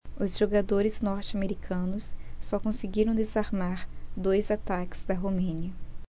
os jogadores norte-americanos só conseguiram desarmar dois ataques da romênia